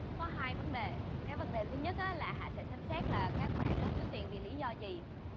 có hai vấn đề cái vấn đề thứ nhất á là họ sẽ xem xét là các bạn thiếu tiền vì lý do gì